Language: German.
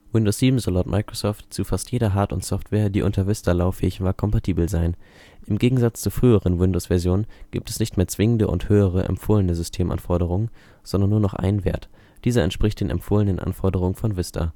Windows 7 soll laut Microsoft zu fast jeder Hard - und Software, die unter Vista lauffähig war, kompatibel sein. Im Gegensatz zu früheren Windows-Versionen gibt es nicht mehr „ zwingende “und höhere „ empfohlene “Systemanforderungen, sondern nur noch einen Wert. Dieser entspricht den „ empfohlenen “Anforderungen von Vista